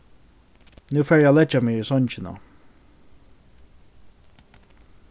nú fari eg at leggja meg í songina